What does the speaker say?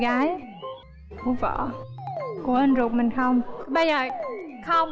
em gái của vợ của anh ruột mình không bao giờ không